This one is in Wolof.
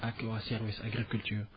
ak waa service agriculture